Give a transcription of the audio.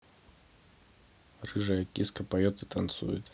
рыжая киска поет и танцует